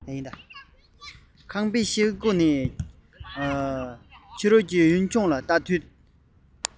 ཁང པའི ཤེལ སྒོ ནས ཕྱི རོལ གྱི ཡུལ ལྗོངས ལ བལྟ དུས